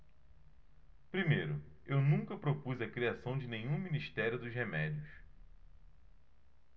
primeiro eu nunca propus a criação de nenhum ministério dos remédios